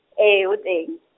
e o teng.